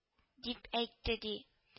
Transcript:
— дип әйтте, ди